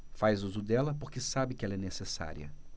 faz uso dela porque sabe que ela é necessária